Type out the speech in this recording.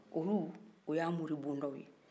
olu y'a mori bondanw ye